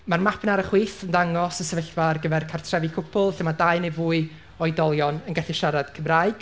Mae'r map yna ar y chwith yn dangos y sefyllfa ar gyfer cartrefi cwpl lle ma' dau neu fwy oedolion yn gallu siarad Cymraeg.